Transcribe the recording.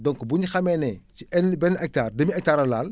donc buñu xamee ne ci benn hectare demie hectare la laal